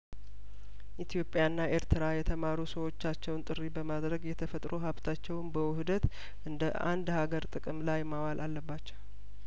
ኢትዮጵያና ኤርትራ የተማሩ ሰዎቻቸውን ጥሪ በማድረግ የተፈጥሮ ሀብታቸውን በውህደት እንደአንድ ሀገር ጥቅም ላይ ማዋል አለባቸው